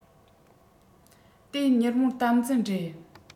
དེའི མྱུར མོར དམ འཛིན རེད